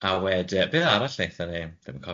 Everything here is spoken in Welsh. A wedy- beth arall nethon ni?